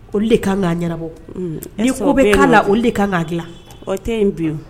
Olu de kan ka ɲanabɔ . Ni ko bi ka la bi olu de kan ka dilan .